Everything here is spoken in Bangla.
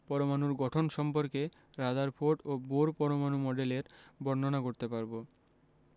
পরমাণুর গঠন সম্পর্কে রাদারফোর্ড ও বোর পরমাণু মডেলের বর্ণনা করতে পারব